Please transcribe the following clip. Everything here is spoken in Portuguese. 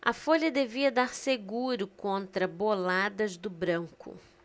a folha devia dar seguro contra boladas do branco